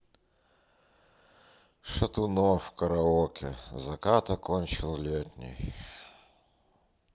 шатунов караоке закат окончил летний